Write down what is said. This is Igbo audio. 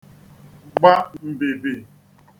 gba mbìbì